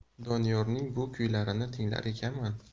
doniyorning bu kuylarini tinglar ekanman